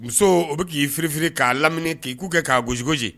Muso u bi ki firi firi ka lamini ki bukɛ ka gosigosi.